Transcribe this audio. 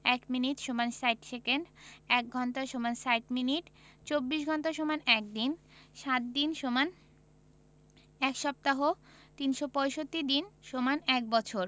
১ minute = ৬০ second ১ঘন্টা = ৬০ minute ২৪ ঘন্টা = ১ দিন ৭ দিন = ১ সপ্তাহ ৩৬৫ দিন = ১বছর